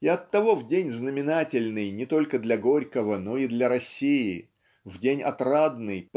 И оттого в день знаменательный не только для Горького но и для России в день отрадный